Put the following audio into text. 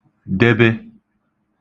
-debe